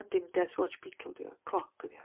A dim death watch beetle ydy o, cloc ydy o.